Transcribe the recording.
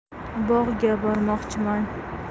bog'ga bormoqchiman